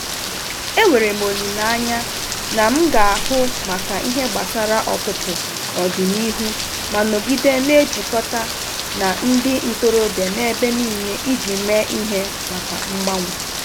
Enwere m olile anya na m ga-ahụ maka ihe gbasara ọpụpụ n'ọdịnihu ma nọgide na-ejikọta na ndị ntorobịa n'ebe nile iji mee ihe maka mgbanwe.